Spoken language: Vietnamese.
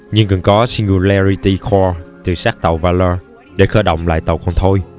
nhưng cần có singularity core từ xác tàu valor để khởi động lại tàu con thoi